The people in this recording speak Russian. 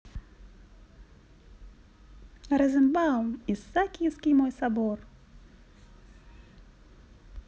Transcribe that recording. розенбаум исаакиевский мой собор